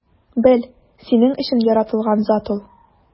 Бел: синең өчен яратылган зат ул!